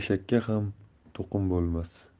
ham to'qim bo'lmas